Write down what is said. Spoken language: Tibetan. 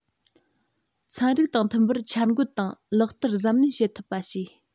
ཚན རིག དང མཐུན པར འཆར འགོད དང ལག བསྟར གཟབ ནན བྱེད ཐུབ པ བྱས